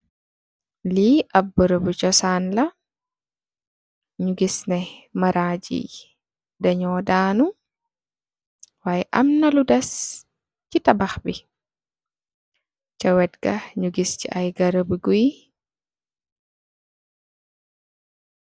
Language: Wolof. Lii ap barabi cosaan la, ñu gis neh marajii dañoo danu wayi am na lu des ci tabax bi ca wet nga ñi gis ci ay garabi guy.